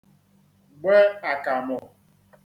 gbe àkàmụ̀